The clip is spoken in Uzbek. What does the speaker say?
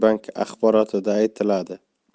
bank axborotida aytiladi